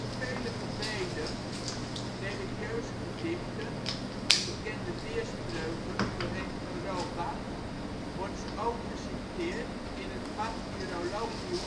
vele gebeden, religieuze gedichten en (bekende) weerspreuken doorheen Europa wordt ze ook geciteerd in het Martyrologium